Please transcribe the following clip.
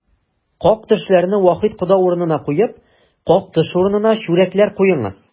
Как-төшләрне Вахит кода урынына куеп, как-төш урынына чүрәкләр куеңыз!